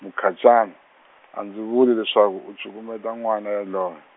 Mukhacani , a ndzi vuli leswaku u cukumeta n'wana yoloye.